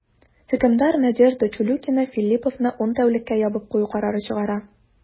Хөкемдар Надежда Чулюкина Филлиповны ун тәүлеккә ябып кую карары чыгара.